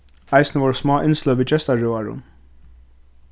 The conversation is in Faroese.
eisini vóru smá innsløg við gestarøðarum